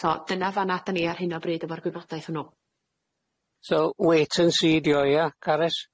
So dyna, fan'a 'dan ni ar hyn o bryd efo'r gwybodaeth hwnnw. So weit and sî 'di o ia Carys?